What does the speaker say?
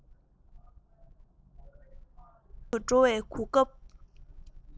བོད དུ འགྲོ བའི གོ སྐབས